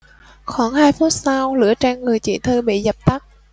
khoảng hai phút sau lửa trên người chị thư bị dập tắt